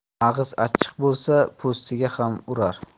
mag'iz achchiq bo'lsa po'stiga ham urar